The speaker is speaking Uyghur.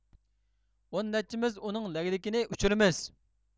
ئون نەچچىمىز ئۇنىڭ لەگلىكىنى ئۇچۇرىمىز